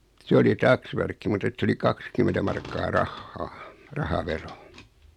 se oli taksvärkki mutta että se oli kaksikymmentä markkaa rahaa rahavero